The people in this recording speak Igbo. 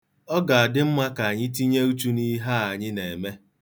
Ọ ga-adị mma ka anyị tinye uchu n'ihe a anyị na-eme.